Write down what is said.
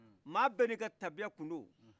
ma bɛ ni tabiya tun do